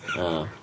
Oh .